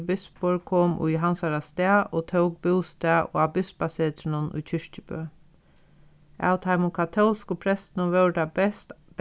bispur kom í hansara stað og tók bústað á bispasetrinum í kirkjubø av teimum katólsku prestunum vóru tað best